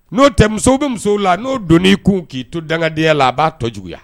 N'o tɛ musow bɛ musow la n'o don n'i kun k'i to dangadenyaya la a b'a to juguyaya